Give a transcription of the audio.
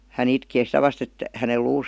hän itkee sitä vasten että hänen luunsa